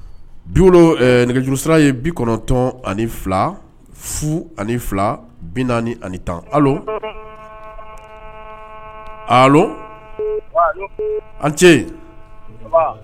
Bi nɛgɛjuru sira ye bi kɔnɔntɔn ani fila fu ani fila bi naani ani tan an ce